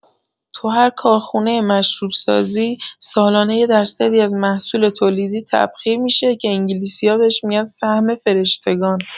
تو هر کارخونۀ مشروب‌سازی، سالانه یه درصدی از محصول تولیدی تبخیر می‌شه که انگلیسی‌ها بهش می‌گن سهم فرشتگان!